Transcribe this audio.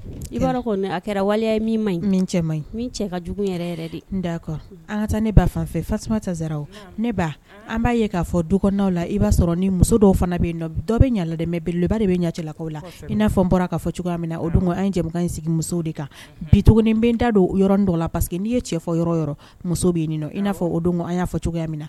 Kɛra waleya cɛ ma cɛ ka jugu yɛrɛ da kɔrɔ an ka taa ne ba fan fa tasuma tɛ ne ba an b'a ye k'a fɔ duw la i b'a sɔrɔ ni muso dɔw fana bɛ dɔw bɛ ɲaga dɛmɛliba de bɛ ɲɛlakaw la i'a n bɔra fɔ cogoya min na o an in sigi musow de kan bi tuguni bɛ da don yɔrɔɔrɔn dɔ la parceseke que n'i ye cɛ fɔ yɔrɔ yɔrɔ muso bɛ'a o an y'a fɔ cogoya min na